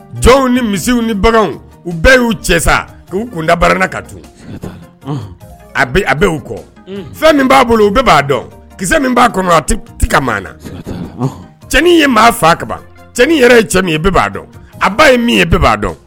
Jɔn ni misiw ni baganw u bɛɛ y'u cɛ sa ku kunda baara ka dun a bɛ'u kɔ fɛn min b'a bolo u b'a dɔn kikisɛsɛ min b'a kɔnɔ a ka maa na cɛnin ye maa faa kaban cɛnin yɛrɛ ye cɛ min ye b'a dɔn a ba ye min ye bɛɛ b'a dɔn